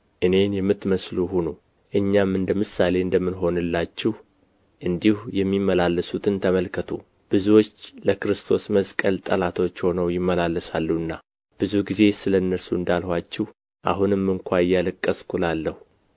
እኔን የምትመስሉ ሁኑ እኛም እንደ ምሳሌ እንደምንሆንላችሁ እንዲሁ የሚመላለሱትን ተመልከቱ ብዙዎች ለክርስቶስ መስቀል ጠላቶቹ ሆነው ይመላለሳሉና ብዙ ጊዜ ስለ እነርሱ አልኋችሁ አሁንም እንኳ እያለቀስሁ እላለሁ